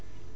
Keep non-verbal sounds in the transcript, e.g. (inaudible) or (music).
(hesitation) (hesitation)